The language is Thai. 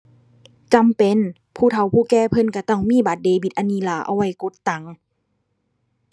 จำเป็น ผู้เฒ่าผู้แก่เพิ่นก็ต้องมีบัตรเดบิตอันนี้ล่ะ เอาไว้กดตัง